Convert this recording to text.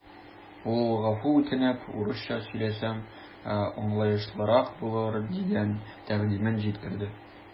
Ул гафу үтенеп, урысча сөйләсәм, аңлаешлырак булыр дигән тәкъдимен җиткерде.